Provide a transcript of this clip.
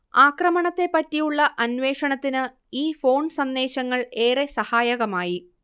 ആക്രമണത്തെപ്പറ്റിയുള്ള അന്വേഷണത്തിന് ഈ ഫോൺ സന്ദേശങ്ങൾ ഏറെ സഹായകമായി